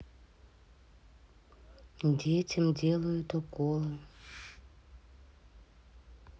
детям делают уколы